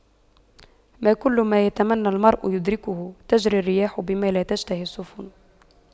ما كل ما يتمنى المرء يدركه تجرى الرياح بما لا تشتهي السفن